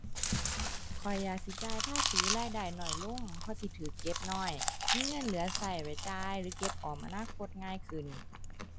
ข้อยอยากสิจ่ายภาษีรายได้น้อยลง เพราะสิถูกเก็บน้อย มีเงินเหลือถูกไว้จ่ายหรือเก็บออมอนาคตง่ายขึ้น